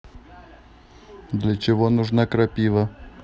для чего нужна крапива